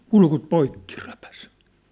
kurkut poikki repäisi